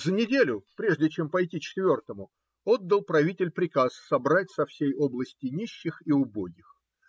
За неделю прежде, чем пойти четвертому, отдал правитель приказ собрать со всей области нищих и убогих.